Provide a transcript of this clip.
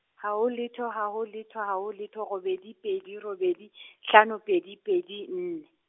haho letho haho letho haho letho robedi pedi robedi , hlano pedi pedi nne.